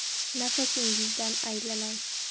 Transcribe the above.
nafasingizdan aylanay